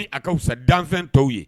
Ni a kaawsa danfɛn tɔw ye